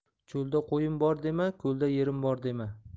cho'lda qo'yim bor dema ko'lda yerim bor dema